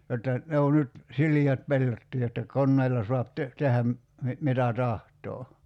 jotta ne on nyt sileät pellotkin jotta koneilla saa - tehdä - mitä tahtoo